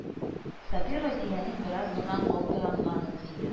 Сабир, Разиянең бераз гына калтыранганын сизеп: